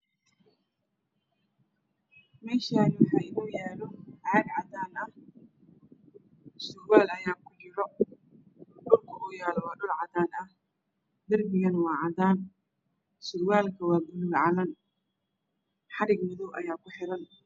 Meeshaan waxaa inoo yaala caag cadaan ah surwaal ayaa ku jiro dhulkana waa cadaan. Darbiguna waa cadaan. Surwaalka buluug calan xarig madow ayaa kuxiran.